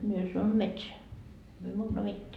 minä sanon metsään me muuta mitään